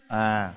à